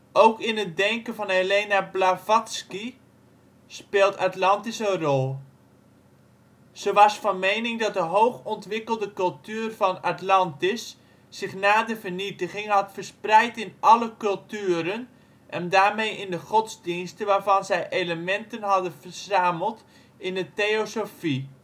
Ook in het denken van Helena Blavatsky speelde Atlantis een rol. Ze was van mening dat de hoogontwikkelde cultuur van Atlantis zich na de vernietiging had verspreid in andere culturen en daarmee in de godsdiensten waarvan zij elementen had verzameld in de theosofie